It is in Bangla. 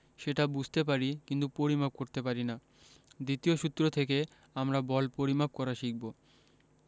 সেটা বুঝতে পারি কিন্তু পরিমাপ করতে পারি না দ্বিতীয় সূত্র থেকে আমরা বল পরিমাপ করা শিখব